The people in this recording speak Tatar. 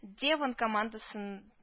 Девон командасын